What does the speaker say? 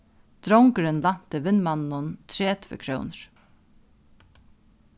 drongurin lænti vinmanninum tretivu krónur